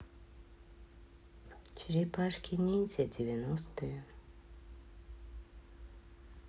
черепашки ниндзя девяностые